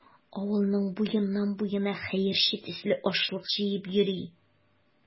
Авылның буеннан-буена хәерче төсле ашлык җыеп йөри.